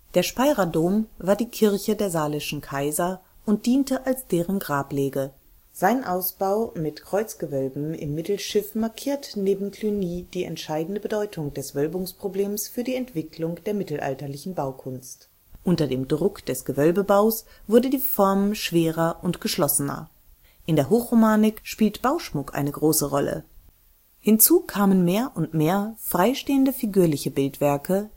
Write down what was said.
Der Speyerer Dom war die Kirche der salischen Kaiser und diente als deren Grablege. Sein Ausbau mit Kreuzgewölben im Mittelschiff markiert neben Cluny die entscheidende Bedeutung des Wölbungsproblems für die Entwicklung der mittelalterlichen Baukunst. Unter dem Druck des Gewölbebaus wurden die Formen schwerer und geschlossener. In der Hochromanik spielte Bauschmuck eine große Rolle. Hinzu kamen mehr und mehr freistehende figürliche Bildwerke